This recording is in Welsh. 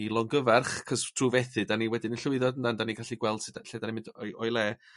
'i longyfarch 'c'os trw' fethu 'dan ni wedyn yn llwyddo 'n dydan 'dan ni'n gallu gweld sut dy- lle 'dan ni'n mynd o'i o'i le.